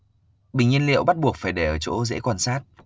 bình nhiên liệu bắt buộc phải để ở chỗ dễ quan sát